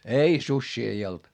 ei susia ei ollut